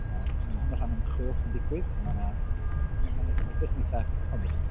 a eto ma' hwn yn rhan o ymchwil sy'n digwydd a ma' 'na edrych yn eitha promising.